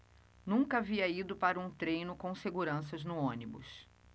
nunca havia ido para um treino com seguranças no ônibus